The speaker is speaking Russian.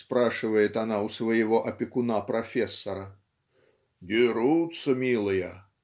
спрашивает она у своего опекуна-профессора. "Дерутся, милая".